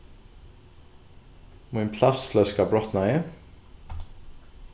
mín plastfløska brotnaði